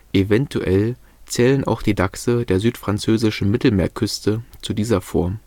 eventuell zählen auch die Dachse der südfranzösischen Mittelmeerküste zu dieser Form